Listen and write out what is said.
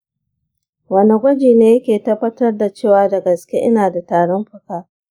wane gwaji ne yake tabbatar da cewa da gaske ina da tarin fuka?